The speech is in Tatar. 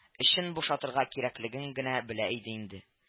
Эчен бушатырга кирәклеген генә белә иде инде